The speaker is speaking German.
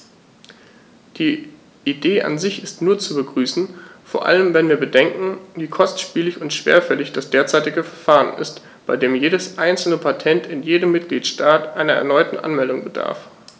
Die Idee an sich ist nur zu begrüßen, vor allem wenn wir bedenken, wie kostspielig und schwerfällig das derzeitige Verfahren ist, bei dem jedes einzelne Patent in jedem Mitgliedstaat einer erneuten Anmeldung bedarf.